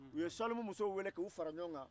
u ye salimu musow weele k'u fara ɲɔgɔn kan